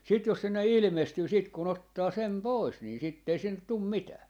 sitten jos sinne ilmestyy sitten kun ottaa sen pois niin sitten ei sinne tule mitään